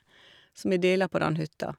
Så vi deler på den hytta.